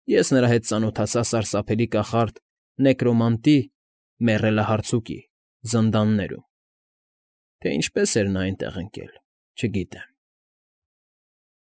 Ես նրա հետ ծանոթացա սարսափելի կախարդ Նեկրոմանտի (Մեռելահարցուկի) զնդաններում. թե ինչպես էր նա այնտեղ ընկել՝ չգիտեմ։ ֊